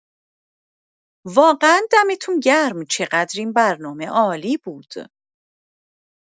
واقعا دمتون گرم چقدر این برنامه عالی بود.